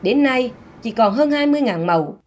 đến nay chỉ còn hơn hai mươi ngả mẫu